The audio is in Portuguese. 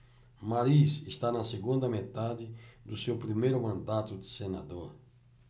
mariz está na segunda metade do seu primeiro mandato de senador